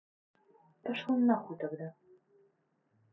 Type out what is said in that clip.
пошел нахуй тогда